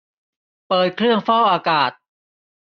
เปิดเครื่องฟอกอากาศ